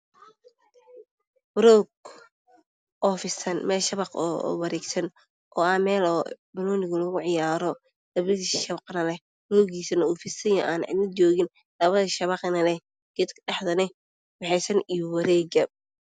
Waa roog fidsan meel banooni lugu cayaaro oo labo shabaq leh iyo birta wareegsan oo cidna joogin.